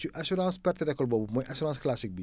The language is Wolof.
ci assurance perte récolte boobu mooy assurance classique bi